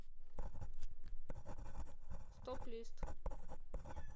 стоп лист